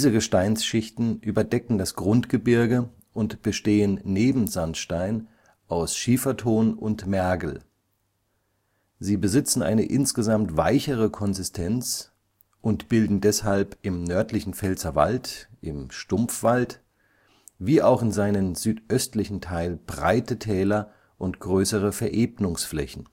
Gesteinsschichten überdecken das Grundgebirge und bestehen neben Sandstein aus Schieferton und Mergel. Sie besitzen eine insgesamt weichere Konsistenz und bilden deshalb im nördlichen Pfälzerwald (Stumpfwald) wie auch in seinem südöstlichen Teil breite Täler und größere Verebnungsflächen